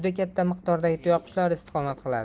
miqdordagi tuyaqushlar istiqomat qiladi